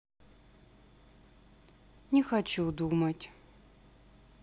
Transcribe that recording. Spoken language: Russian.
не хочу думать